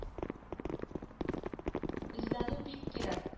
Эзләнү бик кирәк